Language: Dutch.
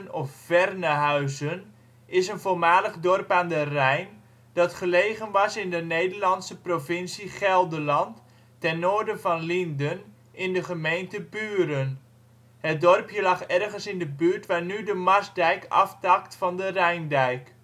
of Vernehuizen is een voormalig dorp aan de Rijn, dat gelegen was in de Nederlandse provincie Gelderland, ten noorden van Lienden in de gemeente Buren. Het dorpje lag ergens in de buurt waar nu de Marsdijk aftakt van de Rijndijk